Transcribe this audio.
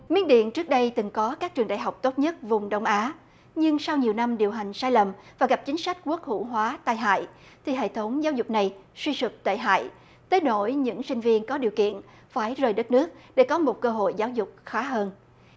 miến điện trước đây từng có các trường đại học tốt nhất vùng đông á nhưng sau nhiều năm điều hành sai lầm và gặp chính sách quốc hữu hóa tai hại thì hệ thống giáo dục này suy sụp tệ hại tới nổi những sinh viên có điều kiện phải rời đất nước để có một cơ hội giáo dục khá hơn